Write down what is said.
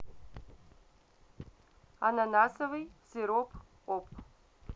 ананасовый сироп оп